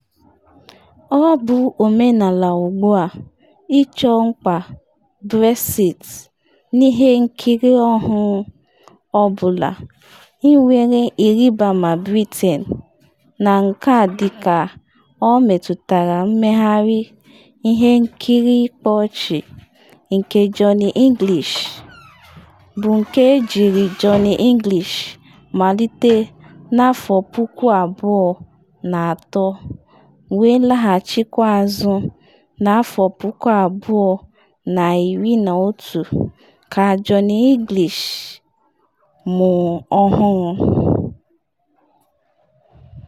Ọ bụ omenala ugbu a ịchọ mkpa Brexit n’ihe nkiri ọhụrụ ọ bụla nwere nribama Britain, na nke a dịka ọ metụtara mmegharị ihe nkiri ịkpa ọchị nke Johnny English - bụ nke ejiri Johnny English malite na 2003, wee laghachikwa azụ na 2011 ka Johnny English Reborn.